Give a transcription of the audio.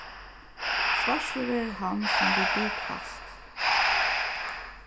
svartur verður hann sum við bik fæst